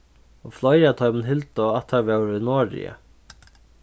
og fleiri av teimum hildu at teir vóru í noregi